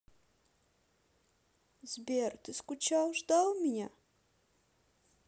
сбер ты скучал ждал меня